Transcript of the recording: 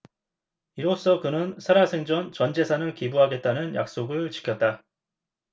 이로써 그는 살아생전 전 재산을 기부하겠다는 약속을 지켰다